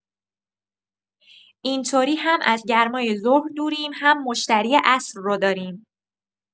این‌طوری هم از گرمای ظهر دوریم هم مشتری عصر رو داریم.